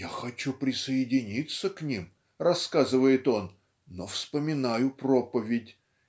"Я хочу присоединиться к ним, рассказывает он, но вспоминаю проповедь